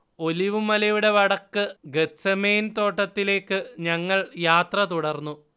olive മലയുടെ വടക്ക് Gethsemane തോട്ടത്തിലേക്ക് ഞങ്ങൾ യാത്ര തുടർന്നു